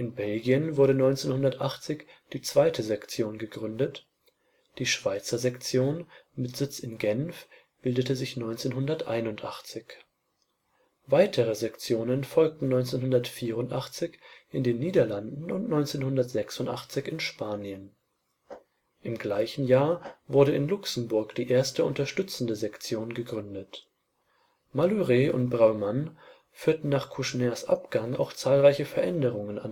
Belgien wurde 1980 die zweite Sektion gegründet, die Schweizer Sektion mit Sitz in Genf bildete sich 1981. Weitere Sektionen folgten 1984 in den Niederlanden und 1986 in Spanien. Im gleichen Jahr wurde in Luxemburg die erste unterstützende Sektion gegründet. Malhuret und Brauman führten nach Kouchners Abgang auch zahlreiche Veränderungen